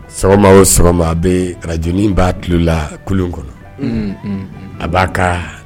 Sɔgɔma o sɔgɔma a bee radio nin b'a tulo laa kulun kɔnɔ unn un un a b'a kaa